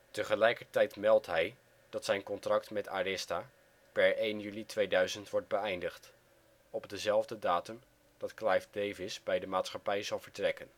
Tegelijkertijd meldt hij dat zijn contract met Arista per 1 juli 2000 wordt beëindigd, op dezelfde datum dat Clive Davis bij de maatschappij zal vertrekken